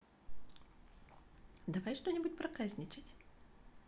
давай что нибудь проказничать